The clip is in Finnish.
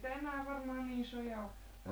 eihän niitä enää varmaan niin isoja olekaan